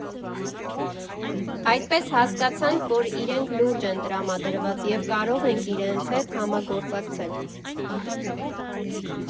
Այդպես հասկացանք, որ իրենք լուրջ են տրամադրված, և կարող ենք իրենց հետ համագործակցել։